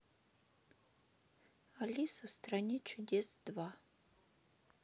алиса в стране чудес два